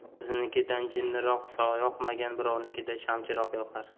o'zinikida jinchiroq yoqmagan birovnikida shamchiroq yoqar